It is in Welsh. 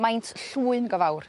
maint llwyn go fawr.